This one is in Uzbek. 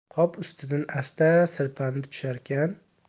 qop ustidan asta sirpanib tusharkan